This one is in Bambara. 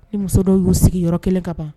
Ni muso dɔw y'u sigi yɔrɔ kelen ka ban